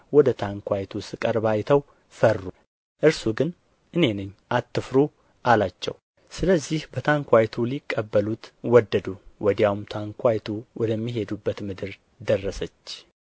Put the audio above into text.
ወደ ታንኳይቱ ሲቀርብ አይተው ፈሩ እርሱ ግን እኔ ነኝ አትፍሩ አላቸው ስለዚህ በታንኳይቱ ሊቀበሉት ወደዱ ወዲያውም ታንኳይቱ ወደሚሄዱበት ምድር ደረሰች